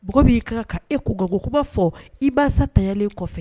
B b'i ka ka e ko gagokoba fɔ i'sa talen kɔfɛ